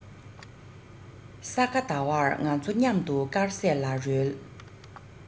ས ག ཟླ བར ང ཚོ མཉམ དུ དཀར ཟས ལ རོལ